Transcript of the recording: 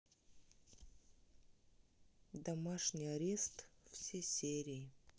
домашний арест все серии